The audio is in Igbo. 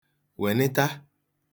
wènịta